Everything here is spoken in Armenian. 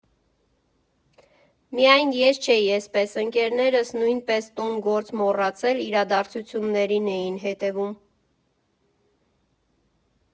Միայն ես չէի էսպես, ընկերներս նույնպես տուն֊գործ մոռացել, իրադարձություններին էին հետևում։